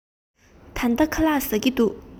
ད ལྟ ཁ ལག ཟ གི འདུག